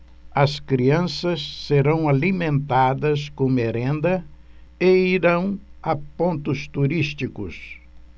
as crianças serão alimentadas com merenda e irão a pontos turísticos